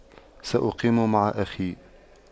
سأقيم مع اخي